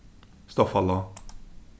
stoffalág